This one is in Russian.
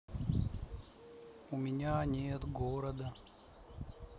у меня нет города